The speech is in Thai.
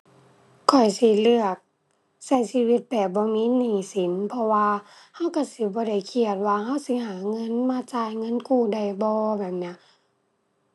ข้อยสิเลือกใช้ชีวิตแบบบ่มีหนี้สิน เพราะว่าใช้ใช้สิบ่ได้เครียดว่าใช้สิหาเงินมาจ่ายเงินกู้ได้บ่ แบบนี้